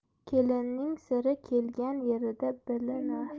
kelinning siri kelgan yerida bilinar